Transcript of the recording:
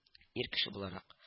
Ир кеше буларак